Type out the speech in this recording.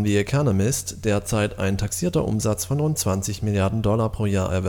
Economist derzeit ein taxierter Umsatz von rund 20 Milliarden Dollar pro Jahr